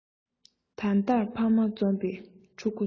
ད ལྟར ཕ མ འཛོམས པའི ཕྲུ གུ ཚོ